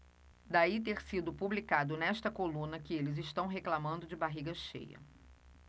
daí ter sido publicado nesta coluna que eles reclamando de barriga cheia